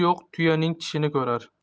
yo'q tuyaning tishini ko'rar